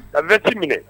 An bɛti minɛ